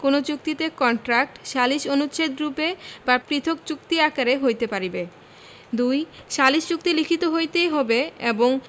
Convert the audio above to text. কোন চুক্তিতে কন্ট্রাক্ট সালিস অনুচ্ছেদরূপে বা পৃথক চুক্তি আকারে হইতে পারিবে ২ সালিস চুক্তি লিখিত হইতে হইবে এবং